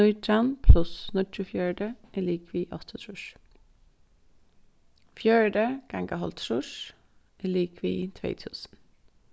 nítjan pluss níggjuogfjøruti er ligvið áttaogtrýss fjøruti ganga hálvtrýss er ligvið tvey túsund